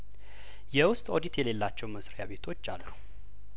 የውስጥ ኦዲት የሌላቸው መስሪያቤቶች አሉ